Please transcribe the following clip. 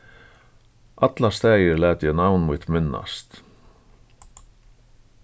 allar staðir lati eg navn mítt minnast